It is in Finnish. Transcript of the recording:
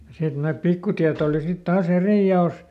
ja sitten nämä pikkutiet oli sitten taas eri jaossa